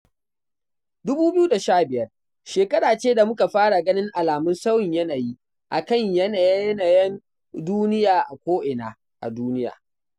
2015 shekara ce da muka fara ganin alamun sauyin yanayi a kan yanaye-yanayen duniya a ko'ina a duniya.